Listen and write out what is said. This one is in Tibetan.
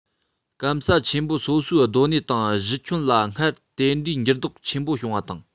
སྐམ ས ཆེན པོ སོ སོའི སྡོད གནས དང གཞི ཁྱོན ལ སྔར དེ འདྲའི འགྱུར ལྡོག ཆེན པོ བྱུང བ དང